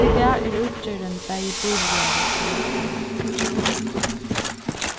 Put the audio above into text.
í dag er útgerðin bæði bíligari og lættari